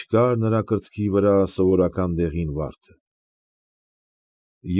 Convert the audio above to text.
Չկար նրա կրծքի վրա սովորական դեղին վարդը։